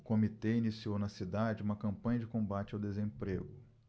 o comitê iniciou na cidade uma campanha de combate ao desemprego